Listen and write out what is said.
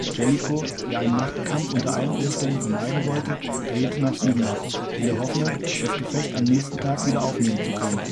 Jellicoe, der einen Nachtkampf unter allen Umständen vermeiden wollte, drehte nach Süden ab, in der Hoffnung, das Gefecht am nächsten Tag wieder aufnehmen zu können